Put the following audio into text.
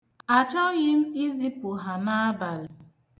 Achọghị m izipụ ha n'abalị.